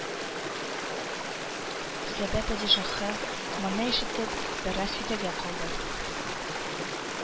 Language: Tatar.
Сәба падишаһы, моны ишетеп, бераз фикергә калды